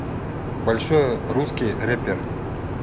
большой русский репер